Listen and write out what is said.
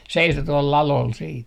seisoi tuolla ladolla sitten